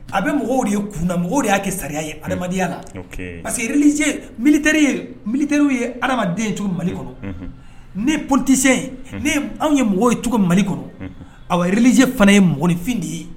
A bɛ mɔgɔw de kunna mɔgɔw de y'a kɛ charia ye adamadenyala ok parce que réligieux militaire yɛr _ militaire u ye adamadenye cogo min Mali kɔnɔ unhun nee politicien ye ne ye anw ye mɔgɔ ye cogo min Mali kɔnɔ unhun awaa _ réligieux fana ye mɔgɔninfin de ye